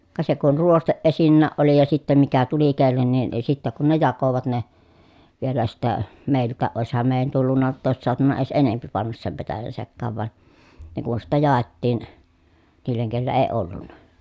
ka se kun ruoste esinnäkin oli ja sitten mikä tuli kenellekin niin sitten kun ne jakoivat ne vielä sitten meiltäkin olisihan meidän tullut jotta olisi saatu edes enempi panna sen petäjän sekaan vaan ne kun sitten jaettiin niille kenellä ei ollut